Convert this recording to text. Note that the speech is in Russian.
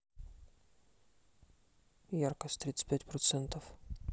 яркость тридцать пять процентов